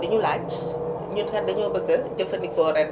diñu laaj ñun kat dañoo bëgg a jafandikoo ren